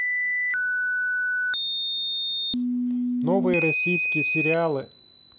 новые российские сериалы